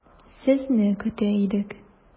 Сезне көтә идек.